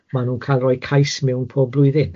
...mae'n nhw'n cael rhoi cais mewn pob blwyddyn.